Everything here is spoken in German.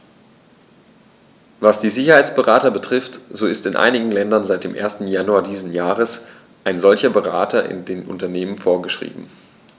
Was die Sicherheitsberater betrifft, so ist in einigen Ländern seit dem 1. Januar dieses Jahres ein solcher Berater in den Unternehmen vorgeschrieben.